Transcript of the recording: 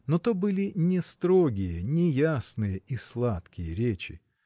но то были не строгие, не ясные и сладкие речи.